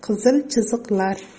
qizil chiziqlar